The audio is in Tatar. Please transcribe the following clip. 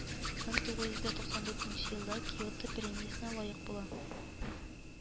Мең тугыз йөз туксан дүртенче елда киото премиясенә лаек була